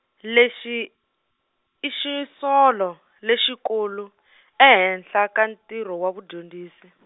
lexi, i xisolo, lexikulu , ehenhla ka ntirho wa vudyondzisi.